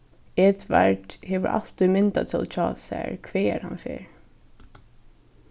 edvard hevur altíð myndatól hjá sær hvagar hann fer